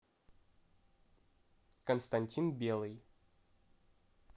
константин белый